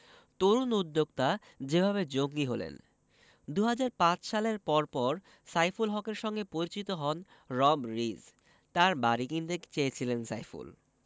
তরুণ উদ্যোক্তা যেভাবে জঙ্গি হলেন ২০০৫ সালের পরপর সাইফুল হকের সঙ্গে পরিচিত হন রব রিজ তাঁর বাড়ি কিনতে চেয়েছিলেন সাইফুল